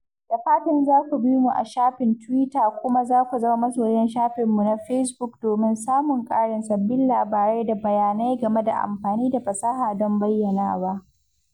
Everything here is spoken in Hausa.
Da fatan za ku bi mu a shafin Twitter kuma za ku zama masoya shafinmu na Facebook don samun ƙarin sabbin labarai da bayanai game da amfani da fasaha don bayyanawa.